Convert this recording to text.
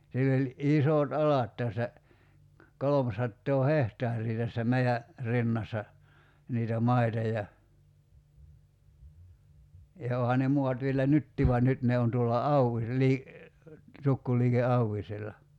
sillä oli isot alat tässä kolmesataa hehtaaria tässä meidän rinnassa niitä maita ja ja onhan ne maat vielä nytkin vaan nyt ne on tuolla -- tukkuliike Auvisella